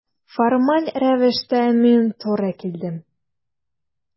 Формаль рәвештә мин туры килдем.